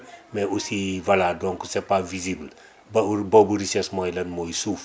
mais aussi voilà c' est pas visible bawul boobu richesse mooy lan mooy suuf